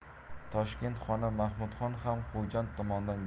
toshkent xoni mahmudxon ham xo'jand tomondan